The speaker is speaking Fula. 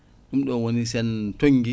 ɗum ɗon woni sen tonggui